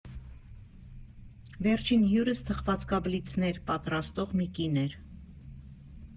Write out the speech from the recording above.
Վերջին հյուրս թխվածքաբլիթներ պատրաստող մի կին էր։